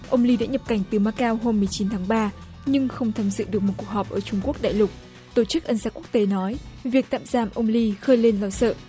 ông ly đã nhập cảnh từ ma cao hôm mười chín tháng ba nhưng không tham dự được một cuộc họp ở trung quốc đại lục tổ chức ân xá quốc tế nói việc tạm giam ông ly khơi lên nỗi sợ